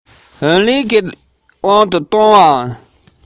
བྱིའུ གསོད བྱེད ཀྱི མདའ སྤུས དག གཅིག